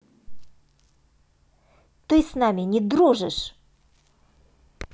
ты с нами не дружишь